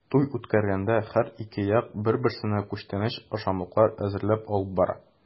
Туй үткәргәндә һәр ике як бер-берсенә күчтәнәч-ашамлыклар әзерләп алып бара.